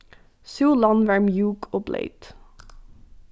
súlan var mjúk og bleyt